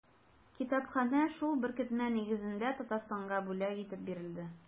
Китапханә шул беркетмә нигезендә Татарстанга бүләк итеп бирелде.